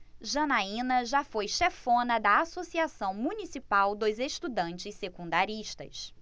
janaina foi chefona da ames associação municipal dos estudantes secundaristas